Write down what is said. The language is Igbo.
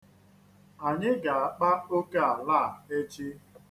Anyị ga-akpa oke ala a echi.